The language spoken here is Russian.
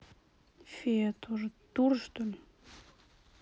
фея тоже ты дура что ли